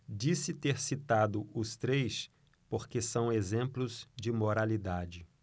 disse ter citado os três porque são exemplos de moralidade